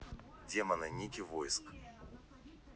демона ники войск